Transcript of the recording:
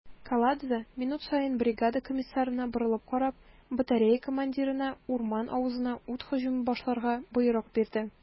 Каладзе, минут саен бригада комиссарына борылып карап, батарея командирына урман авызына ут һөҗүме башларга боерык бирде.